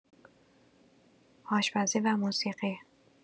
آشپزی و موسیقی